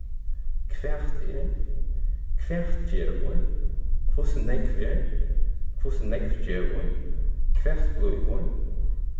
hvat er hvat gevur hvussu nógv er hvussu nógv gevur hvat blívur